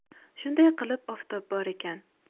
shunday qilib oftob bor ekan